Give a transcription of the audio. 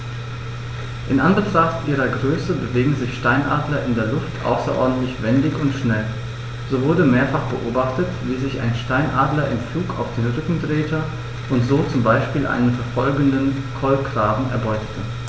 In Anbetracht ihrer Größe bewegen sich Steinadler in der Luft außerordentlich wendig und schnell, so wurde mehrfach beobachtet, wie sich ein Steinadler im Flug auf den Rücken drehte und so zum Beispiel einen verfolgenden Kolkraben erbeutete.